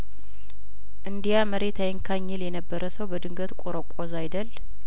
እንዲያ መሬት አይንካኝ ይልየነበረ ሰው በድንገት ቆረቆዘ አይደል